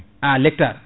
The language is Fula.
à l' hectare